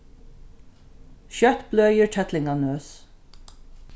skjótt bløðir kellingarnøs